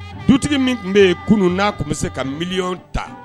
Dutigi min tun bɛ yen kunun n'a tun bɛ se ka miliy ta